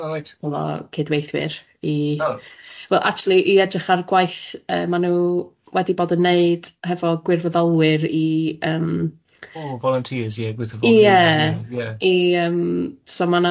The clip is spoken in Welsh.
...hefo cydweithwyr i... O. ...wel acshyli i edrych ar gwaith yy maen nhw wedi bod yn wneud hefo gwirfoddolwyr i yym... O volunteers ie gwirfoddolwyr ie. ...ie i yym so ma'na